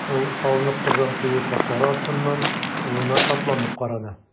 Ул салынып торган куе кашлары астыннан улына шатланып карады.